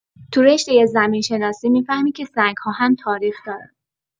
تو رشته زمین‌شناسی می‌فهمی که سنگ‌ها هم تاریخ دارن!